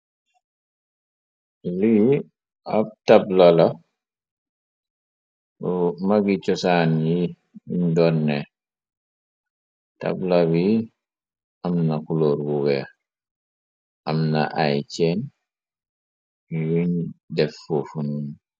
lii ab tabla la magi cosaan yi ñ donne, tabla wi am na kulóor bu weex am na ay ceen yuñ defu funuñ.